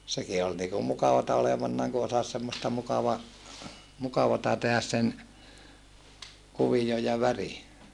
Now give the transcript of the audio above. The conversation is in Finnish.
sekin oli niin kuin mukavaa olevanaan kun osasi semmoista - mukavaa tehdä sen kuvion ja värin